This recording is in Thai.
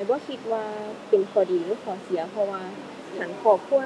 ข้อยบ่คิดว่าเป็นข้อดีหรือข้อเสียเพราะว่า คันครอบครัว